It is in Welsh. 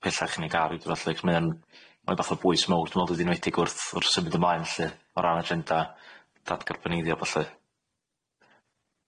pellach ni gal rhywdro lly ma' o'n ma'n fath o bwys mawr dwi me'wl yn enwedig wrth wrth symud ymlaen felly o ran agenda dad garboneiddio a ballu.